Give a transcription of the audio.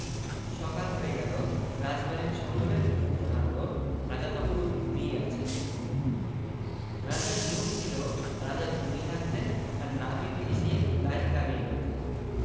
সকাল হয়ে গেল রাজবাড়ির সকলের ঘুম ভাঙল রাজা তখনও ঘুমিয়ে আছেন রাজার নিয়ম ছিল রাজা ঘুমিয়ে থাকতেন আর নাপিত এসে দাঁড়ি কমিয়ে দিত